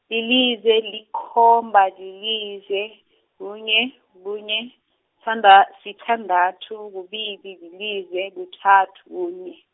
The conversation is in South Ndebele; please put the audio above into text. lilize, likhomba, lilize, kunye, kune, sthanda- sithandathu, kubili, lilize, kuthathu, kunye.